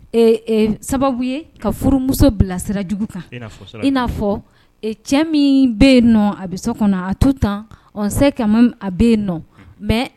Ee sababu ye ka furumuso bilasira jugu kan in n'a fɔ cɛ min bɛ yen nɔ a bɛ so kɔnɔ a tu tan se kɛmɛ a bɛ yen nɔ mɛ